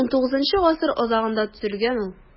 XIX гасыр азагында төзелгән ул.